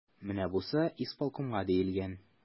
Менә бусы исполкомга диелгән.